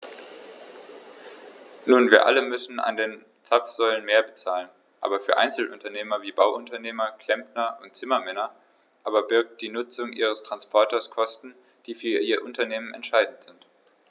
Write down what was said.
Nun wir alle müssen an den Zapfsäulen mehr bezahlen, aber für Einzelunternehmer wie Bauunternehmer, Klempner und Zimmermänner aber birgt die Nutzung ihres Transporters Kosten, die für ihr Unternehmen entscheidend sind.